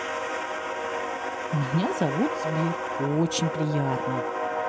меня зовут сбер очень приятный